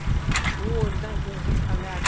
u o'zidan keyin hech qanday